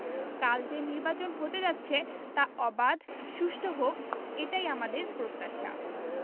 কাল যে নির্বাচন হতে যাচ্ছে তা অবাধ সুষ্ঠু হোক এটাই আমাদের প্রত্যাশা